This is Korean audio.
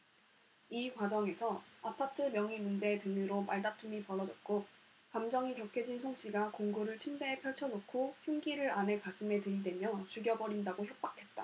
이 과정에서 아파트 명의 문제 등으로 말다툼이 벌어졌고 감정이 격해진 송씨가 공구를 침대에 펼쳐놓고 흉기를 아내 가슴에 들이대며 죽여버린다고 협박했다